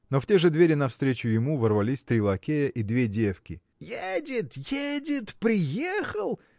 Но в те же двери навстречу ему ворвались три лакея и две девки. – Едет! едет! приехал!